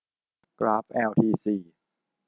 กราฟแอลทีซี